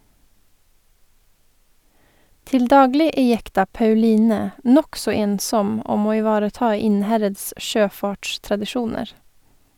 Til daglig er jekta "Pauline" nokså ensom om å ivareta Innherreds sjøfartstradisjoner.